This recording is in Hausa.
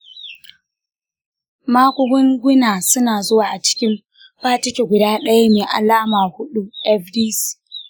magungunana suna zuwa a cikin fakiti guda ɗaya mai alamar hudu fdc.